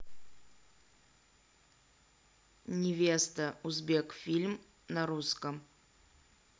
невеста узбек фильм на русском